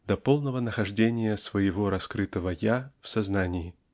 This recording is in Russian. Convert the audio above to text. до полного нахождения своего раскрытого "я" в сознании.